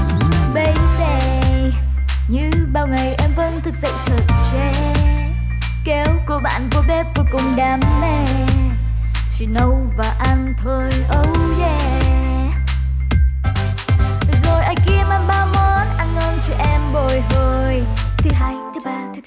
bấy bề như bao ngày em vẫn thức dậy thật trễ kéo cô bạn vô bếp với cùng đam mê chỉ nấu và ăn thôi âu dê rồi ai kia mang bao món ăn ngon cho em bồi hồi thứ hai thứ ba thứ tư